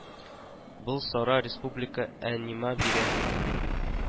Был сара республика а нимә бирә